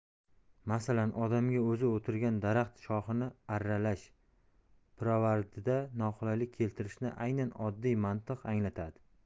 masalan odamga o'zi o'tirgan daraxt shoxini arralash pirovardida noqulaylik keltirishini aynan oddiy mantiq anglatadi